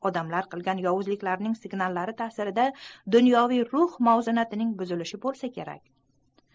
odamlar qilgan yovuzliklarning signallari tasirida dunyoviy ruh muvozanatining buzilishi bolsa kerak